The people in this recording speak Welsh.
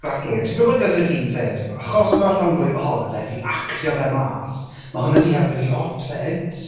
Exactly, a ti'n gwybod gyda fi 'fyd, achos mae'r rhan fwyaf ohono fe, fi'n actio fe mas, ma' hwnna 'di helpu fi lot 'fyd.